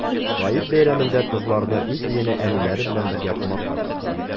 Гает бәйрәмендә кызларны уз өенә әниләре белән бергә кунакка чакыра.